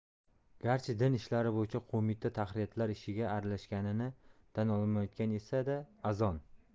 garchi din ishlari bo'yicha qo'mita tahririyatlar ishiga aralashganini tan olmayotgan esa da azon